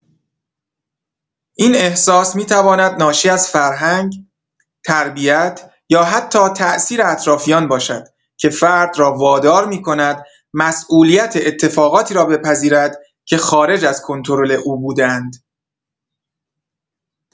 این احساس می‌تواند ناشی از فرهنگ، تربیت، یا حتی تاثیر اطرافیان باشد که فرد را وادار می‌کند مسئولیت اتفاقاتی را بپذیرد که خارج از کنترل او بوده‌اند.